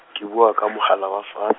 ke bua ka mohala wa fat-.